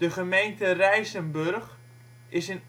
gemeente Rijsenburg is in